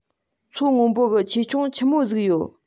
མཚོ སྔོན པོ གི ཆེ ཆུང ཆི མོ ཟིག ཡོད